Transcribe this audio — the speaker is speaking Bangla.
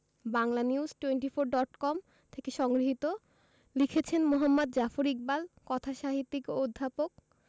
বাংলানিউজ টোয়েন্টিফোর ডট কম থেকে সংগৃহীত লিখেছেন মুহাম্মদ জাফর ইকবাল কথাসাহিত্যিক ও অধ্যাপক